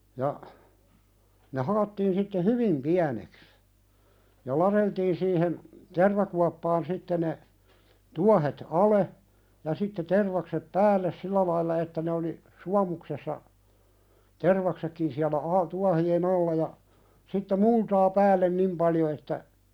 ja ne halottiin sitten hyvin pieneksi ja ladeltiin siihen tervakuoppaan sitten ne tuohet alle ja sitten tervakset päälle sillä lailla että ne oli suomuksessa tervaksetkin siellä - tuohien alla ja sitten multaa päälle niin paljon että